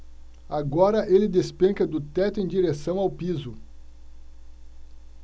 agora ele despenca do teto em direção ao piso